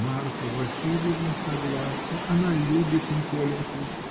— Марфа Васильевна согласна: она любит Николеньку.